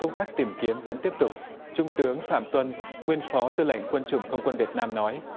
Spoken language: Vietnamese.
công tác tìm kiếm vẫn tiếp tục trung tướng phạm tuân nguyên phó tư lệnh quân chủng không quân việt nam nói